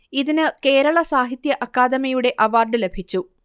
ഇതിന് കേരള സാഹിത്യ അക്കാദമിയുടെ അവാർഡ് ലഭിച്ചു